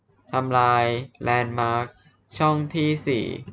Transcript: ทำลายแลนด์มาร์คช่องที่สี่